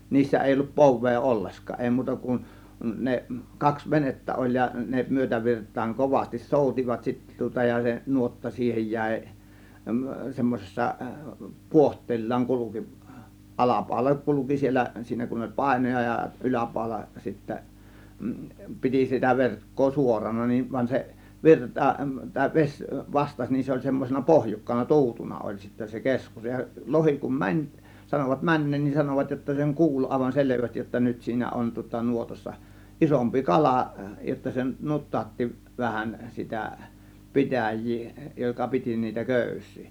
niissä ei ollut povea ollenkaan ei muuta kuin ne kaksi venettä oli ja ne myötävirtaan kovasti soutivat sitten tuota ja se nuotta siihen jäi semmoisessa puohteellaan kulki alapaula kulki siellä siinä kun oli painoja ja yläpaula sitten piti sitä verkkoa suorana niin vaan se virta tai vesi vastasi niin se oli semmoisena pohjukkana tuutuna oli sitten se keskus ja lohi kun meni sanoivat menneen niin sanoivat jotta sen kuuli aivan selvästi jotta nyt siinä on tuota nuotassa isompi kala jotta se nutautti vähän sitä pitäjää joka piti niitä köysiä